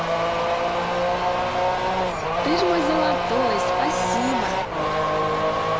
ты ж мой золотой спасибо